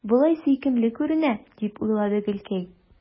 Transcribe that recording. Болай сөйкемле күренә, – дип уйлады Гөлкәй.